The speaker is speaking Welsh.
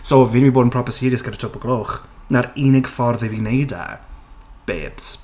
So fi'n mynd i fod yn proper serious gyda Twp o'r Gloch. 'Na'r unig ffordd i fi wneud e, babes.